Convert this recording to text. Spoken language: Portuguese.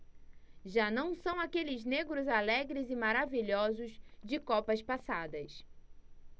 já não são aqueles negros alegres e maravilhosos de copas passadas